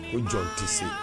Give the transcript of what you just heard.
Ko jɔn tɛ se.